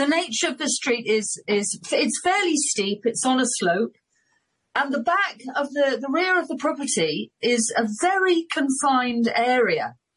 The nature of the street is is it's fairly steep it's on a slope, and the back of the the rear of the property is a very confined area.